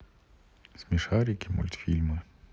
смешарики мультфильмы